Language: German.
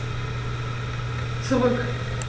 Zurück.